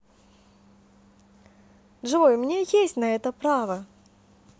джой у меня есть на это право